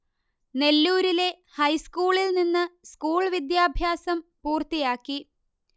നെല്ലൂരിലെ ഹൈസ്കൂളിൽ നിന്ന് സ്കൂൾ വിദ്യാഭ്യാസം പൂർത്തിയാക്കി